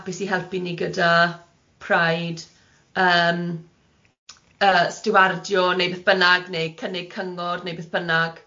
hapus i helpu ni gyda pride yym yy stiwardio neu beth bynnag neu cynnig cyngor neu beth bynnag.